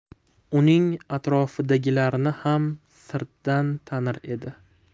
uning atrofidagilarni xam sirtdan tanir edi